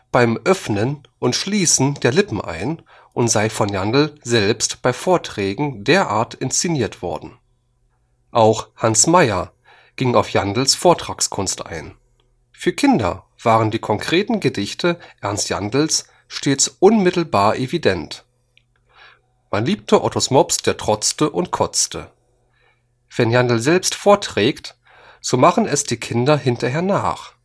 beim Öffnen und Schließen der Lippen ein und sei von Jandl selbst bei Vorträgen derart inszeniert worden. Auch Hans Mayer ging auf Jandls Vortragskunst ein: „ Für Kinder waren die konkreten Gedichte Ernst Jandls stets unmittelbar evident. Man liebte Ottos Mops, der trotzte und kotzte. Wenn Jandl selbst vorträgt, so machen es die Kinder hinterher nach